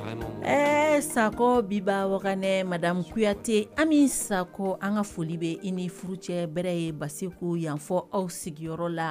Ee sakɔ bɛba wa madamu kuyate an bɛ sakɔ an ka foli bɛ i ni furu cɛ bɛrɛ ye basi ko yanfɔ aw sigiyɔrɔ la